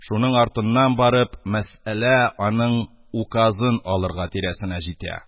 Шуның артыннан барып, мәсьәлә аның «указын алырга» тирәсенә җитә.